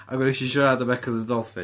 Ac o'n i isio siarad am Echo the Dolphin.